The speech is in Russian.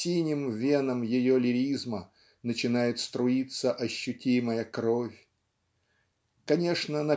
синим венам ее лиризма начинает струиться ощутимая кровь. Конечно